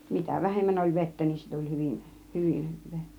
mitä vähemmän oli vettä niin se tuli hyvin hyvin hyvää